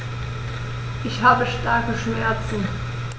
Ich habe starke Schmerzen.